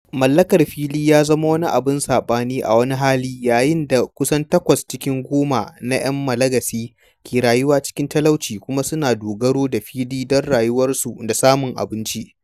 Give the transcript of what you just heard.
Mallakar fili ya zama wani abun saɓani a wani hali yayin da kusan takwas cikin goma na ‘yan Malagasy ke rayuwa cikin talauci kuma suna dogaro da fili don rayuwarsu da samun abinci.